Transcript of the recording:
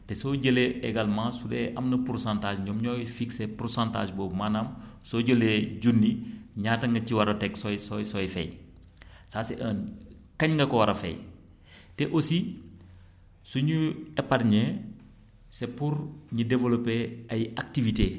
te soo jëlee également su dee am na pourcentage ñoom ñooy fixé pourcentage boobu maanaam soo jëlee junni ñaata nga ci war a teg sooy sooy sooy fay ça c' est un kañ nga ko war a fay te aussi suñuy épargné c' est pour ñu développé ay activités